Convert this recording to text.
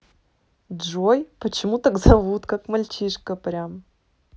джой почему так зовут как мальчишка прям